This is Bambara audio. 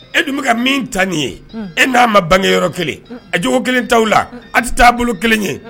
E dun bɛ ka min ta nin ye e n'a ma bange yɔrɔ kelen a cogoogo kelen t' la a tɛ t' a bolo kelen ye